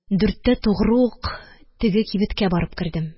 Дүрттә тугры ук теге кибеткә барып кердем.